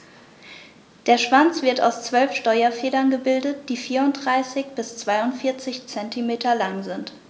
Der Schwanz wird aus 12 Steuerfedern gebildet, die 34 bis 42 cm lang sind.